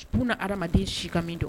Buna hadamaden si ka min dɔn